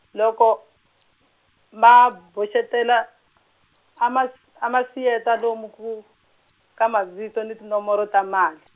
loko, ma boxetela a ma s-, a ma siyeta lomu ku, ka mavito ni tinomboro ta mali.